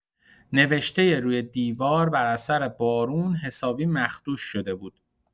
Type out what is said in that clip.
نوشتۀ روی دیوار بر اثر بارون حسابی مخدوش شده بود.